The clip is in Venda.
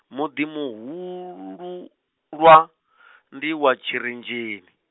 muḓi muhululwa, ndi wa Tshirenzheni.